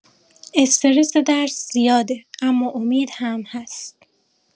استرس درس زیاده اما امید هم هست